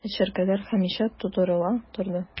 Ә чәркәләр һәмишә тутырыла торды...